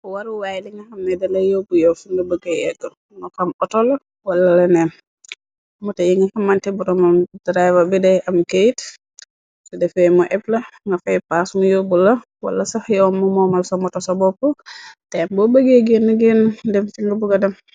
Waruwaaye linga xamnee dala yóbbu-yoof su nga bëgge yegg nokam otol. Wala leneen mote yi nga xamante boromam driver bi dey am keyte si defee moo eppla nga fay paasumu yóbbu la. Wala sax yoo ma moomal sa moto sa bopp. Te boo bëggee gee nangeen def ci nga buga dem.